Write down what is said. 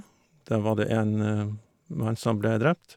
Der var det en mann som ble drept.